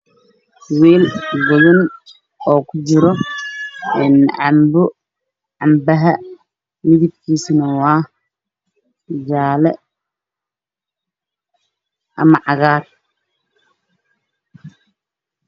Weel godon oo ku jiro canbo midabkiisa waa jaale ama cagaar